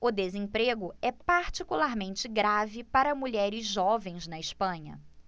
o desemprego é particularmente grave para mulheres jovens na espanha